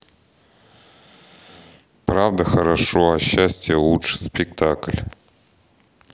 правда хорошо а счастье лучше спектакль